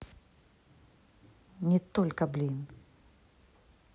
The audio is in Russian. не только блин